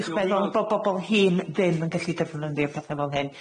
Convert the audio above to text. bo' bobol hŷn ddim yn gallu defnyddio pethe fel hyn.